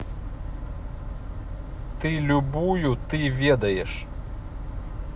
ты любую ты ведаешь